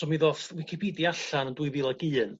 so mi ddoth Wicipidia allan yn dwy fil ag un